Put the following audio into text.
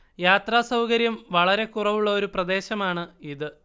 യാത്രാ സൗകര്യം വളരെ കുറവുള്ള ഒരു പ്രദേശമാണ് ഇത്